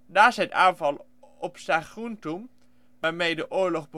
Na zijn aanval op Saguntum, waarmee de oorlog begon